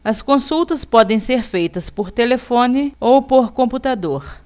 as consultas podem ser feitas por telefone ou por computador